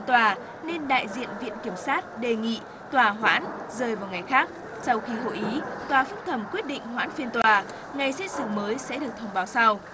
tòa nên đại diện viện kiểm sát đề nghị tòa hoãn rơi vào ngày khác sau khi hội ý tòa phúc thẩm quyết định hoãn phiên tòa ngày xét xử mới sẽ được thông báo sau